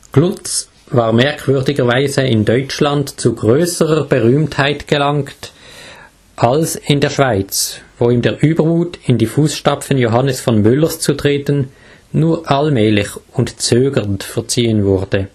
Glutz war merkwürdigerweise in Deutschland zu grösserer Berühmtheit gelangt, als in der Schweiz, wo ihm der Übermut, in die Fussstapfen Johannes von Müllers zu treten, nur allmählich und zögernd verziehen wurde